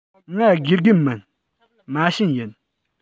ང དགེ རྒན མིན མ བྱན ཡིན